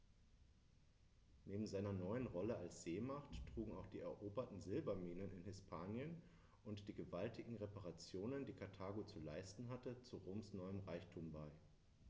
Neben seiner neuen Rolle als Seemacht trugen auch die eroberten Silberminen in Hispanien und die gewaltigen Reparationen, die Karthago zu leisten hatte, zu Roms neuem Reichtum bei.